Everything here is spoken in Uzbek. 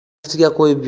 uni kaftiga qo'yib